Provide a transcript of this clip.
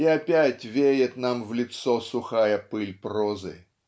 и опять веет нам в лицо сухая пыль прозы.